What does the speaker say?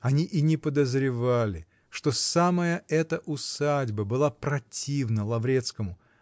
они и не подозревали, что самая эта усадьба была противна Лаврецкому